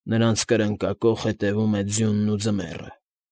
Նրանց կրնկակոխ հետևում է ձյունն ու ձմեռը։